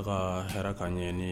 Ka hɛrɛ kaa ɲɛ nin ye